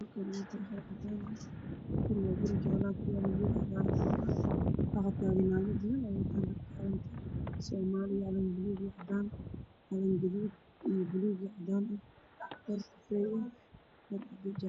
Waa naago aroos tumaayo